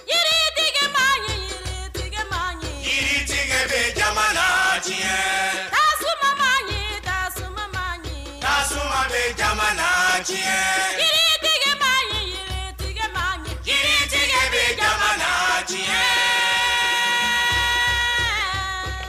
Yiritigiba ye yiritigi ma ɲi jiri jɛgɛ bɛ jama cɛ tababag ta tasuma ma ɲiba bɛ jama cɛ yiritigiba yejitigiba min j jɛgɛ bɛ jama jɛgɛ